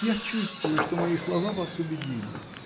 Я чувствую, что мои слова вас убедили.